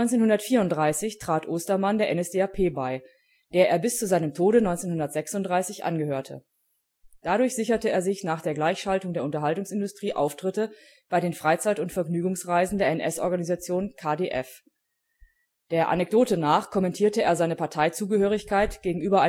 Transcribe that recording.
1934 trat Ostermann der NSDAP bei, der er bis zu seinem Tode 1936 angehörte. Dadurch sicherte er sich nach der Gleichschaltung der Unterhaltungsindustrie Auftritte bei den Freizeit - und Vergnügungsreisen der NS-Organisation KdF. Der Anekdote nach kommentierte er seine Parteizugehörigkeit gegenüber